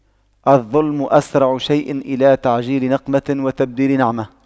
الظلم أسرع شيء إلى تعجيل نقمة وتبديل نعمة